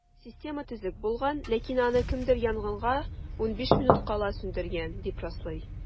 Система төзек булган, ләкин аны кемдер янгынга 15 минут кала сүндергән, дип раслый.